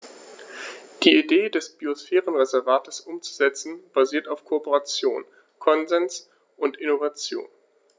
Die Idee des Biosphärenreservates umzusetzen, basiert auf Kooperation, Konsens und Innovation.